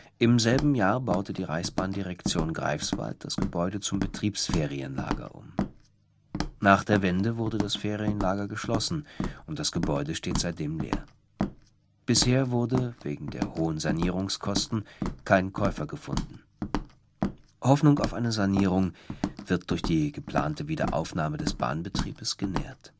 Im selben Jahr baute die Reichsbahndirektion Greifswald das Gebäude zum Betriebsferienlager um. Nach der Wende wurde das Ferienlager geschlossen, und das Gebäude steht seitdem leer. Bisher wurde wegen der hohen Sanierungskosten kein Käufer gefunden. Hoffnung auf eine Sanierung wird durch eine geplante Wiederaufnahme des Bahnbetriebes genährt